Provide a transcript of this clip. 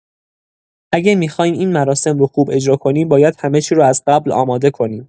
اگه می‌خوایم این مراسم رو خوب اجرا کنیم، باید همه چی رو از قبل آماده کنیم.